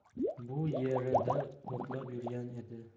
bu yerida o'tlab yurgan edi